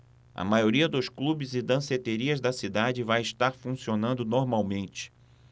a maioria dos clubes e danceterias da cidade vai estar funcionando normalmente